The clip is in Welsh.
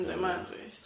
Yndi mae o'n drist.